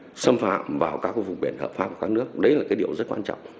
xâm phạm vào các khu vực biển hợp pháp của các nước đấy là cái điều rất quan trọng